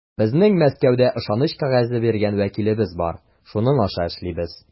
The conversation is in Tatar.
Безнең Мәскәүдә ышаныч кәгазе биргән вәкилебез бар, шуның аша эшлибез.